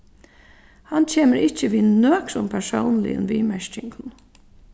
hann kemur ikki við nøkrum persónligum viðmerkingum